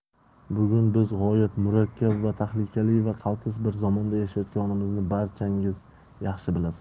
bugun biz g'oyat murakkab tahlikali va qaltis bir zamonda yashayotganimizni barchangiz yaxshi bilasiz